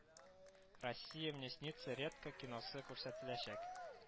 Россия мне снится редко киносы күрсәтеләчәк